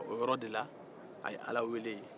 o yɔrɔ de la a ye ala wele